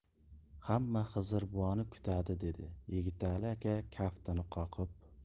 hamma xizr buvani kutadi dedi yigitali aka kaftini qoqib